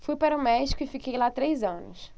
fui para o méxico e fiquei lá três anos